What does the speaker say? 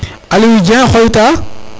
Aliou dieng xoyta